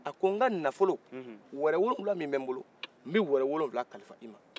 a ko n ka nafolo wɛrɛ wolowula min bɛ n bolo n bɛ wɛrɛ wolowula kalif'i ma